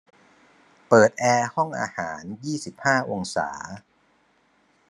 เปิดแอร์ห้องอาหารยี่สิบห้าองศา